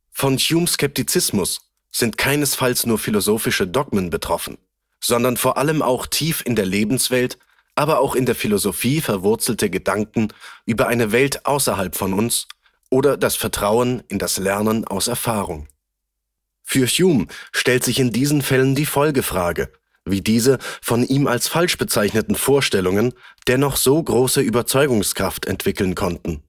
Von Humes Skeptizismus sind keinesfalls nur philosophische Dogmen betroffen, sondern vor allem auch tief in der Lebenswelt aber auch in der Philosophie verwurzelte Gedanken über eine Welt außerhalb von uns oder das Vertrauen in das Lernen aus Erfahrung. Für Hume stellt sich in diesen Fällen die Folgefrage, wie diese, von ihm als falsch bezeichneten Vorstellungen, dennoch so große Überzeugungskraft entwickeln konnten